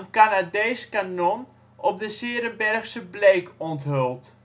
Canadees kanon op de ' s-Heerenbergse Bleek onthuld